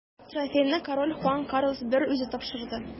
Трофейны король Хуан Карлос I үзе тапшырды.